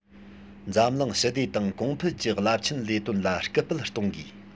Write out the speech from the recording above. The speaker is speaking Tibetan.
འཛམ གླིང ཞི བདེ དང གོང འཕེལ གྱི རླབས ཆེན ལས དོན ལ སྐུལ སྤེལ གཏོང དགོས